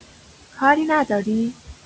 کاری نداری؟